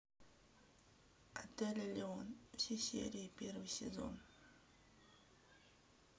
отель элеон все серии первый сезон